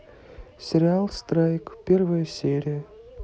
сериал страйк первая серия